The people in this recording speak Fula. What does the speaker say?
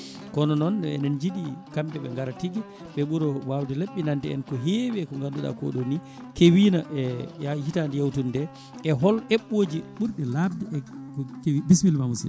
kono noon enen jiiɗi kamɓe ɓe gaara tigui ɓe ɓuura wawde laɓɓinande en ko heewi e ko ganduɗa koɗo ni keewino e ya hitande yawtude nde e hol eɓɓoji ɓurɗi laabde e ko keewi bisimillama musidɗo